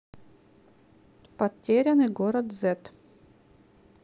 потерянный город зет